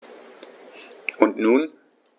Und nun?